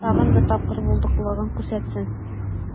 Тагын бер тапкыр булдыклылыгын күрсәтсен.